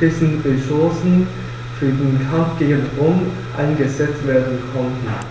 dessen Ressourcen für den Kampf gegen Rom eingesetzt werden konnten.